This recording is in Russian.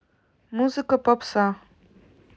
музыка попса